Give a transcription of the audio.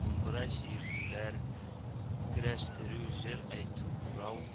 Думбра чиртүләр, көрәштерү, җыр әйтү, курай